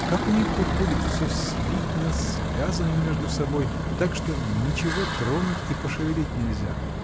Как у них выходит всё слито, связано между собой, так что ничего тронуть и пошевелить нельзя?